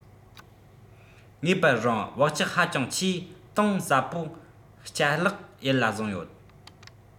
ངེས པར རང བག ཆགས ཧ ཅང ཆེས གཏིང ཟབ པོ ལྕ ལག ཡིད ལ བཟུང ཡོད